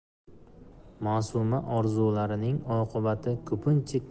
ma'suma orzularining oqibati ko'pincha